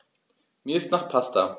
Mir ist nach Pasta.